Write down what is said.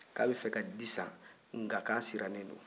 ko a bɛ fɛ ka di san nka ko a sirannen don